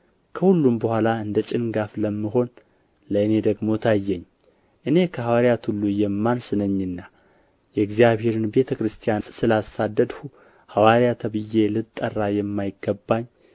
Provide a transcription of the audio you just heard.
ከሁሉም በኋላ እንደ ጭንጋፍ ለምሆን ለእኔ ደግሞ ታየኝ እኔ ከሐዋርያት ሁሉ የማንስ ነኝና የእግዚአብሔርን ቤተ ክርስቲያን ስላሳደድሁ ሐዋርያ ተብዬ ልጠራ የማይገባኝ